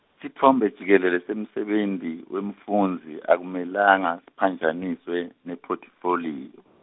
sitfombe jikelele semsebenti, wemfundzi, akumelanga, siphanjaniswe, nephothifoliyo.